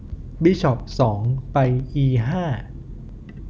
บิชอปสองไปอีห้า